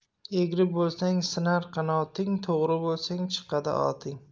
egri bo'lsang sinar qanoting to'g'ri bo'lsang chiqadi oting